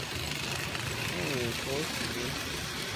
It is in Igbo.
O nwere ka o si eme.